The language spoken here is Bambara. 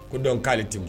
Ko dɔn k'ale tɛ temu